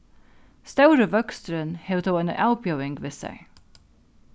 stóri vøksturin hevur tó eina avbjóðing við sær